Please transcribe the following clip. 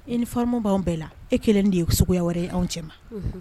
I nifama b'an bɛɛ la e kelen de ye suguya wɛrɛ ye anw cɛ